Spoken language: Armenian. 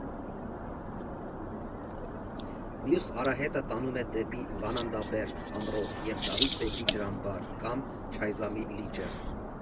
Մյուս արահետը տանում է դեպի Վանանդաբերդ ամրոց և Դավիթ բեկի ջրամբար կամ Չայզամի լիճը։